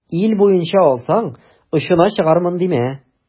Ил буенча алсаң, очына чыгармын димә.